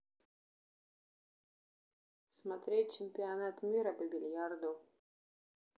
смотреть чемпионат мира по бильярду